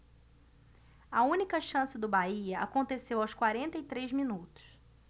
a única chance do bahia aconteceu aos quarenta e três minutos